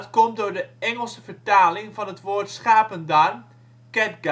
komt door de Engelse vertaling van het woord schapendarm: catgut